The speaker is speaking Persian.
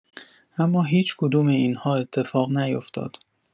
اما هیچ کدوم این‌ها اتفاق نیفتاد.